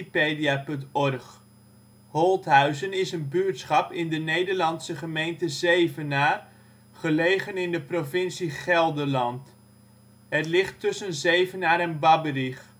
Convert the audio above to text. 53 ' NB, 6° 06 ' OL Holthuizen Plaats in Nederland Situering Provincie Gelderland Gemeente Zevenaar Coördinaten 51° 55′ NB, 6° 6′ OL Portaal Nederland Holthuizen is een buurtschap in de Nederlandse gemeente Zevenaar, gelegen in de provincie Gelderland. Het ligt tussen Zevenaar en Babberich